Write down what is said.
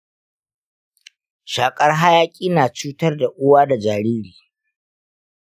shakar hayaki na cutar da uwa da jariri.